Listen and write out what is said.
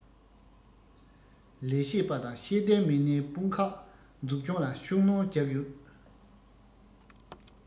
ལས བྱེད པ དང ཤེས ལྡན མི སྣའི དཔུང ཁག འཛུགས སྐྱོང ལ ཤུགས སྣོན བརྒྱབ ཡོད